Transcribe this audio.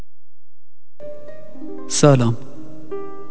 سالم